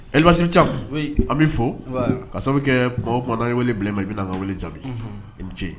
Elibasire Cam oui an bi fɔ Nbaa ka sababu kɛ tuma o tuma nan ye wele bila i ma. I bi nan ka wele jaabi. I ni ce.